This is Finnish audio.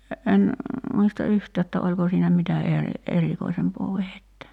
en muista yhtään että oliko siinä mitä - erikoisempaa vehjettä